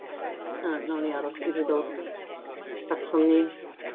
Na, wnawn ni aros iddi ddod aton ni.